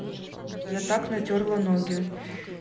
я так натерла ноги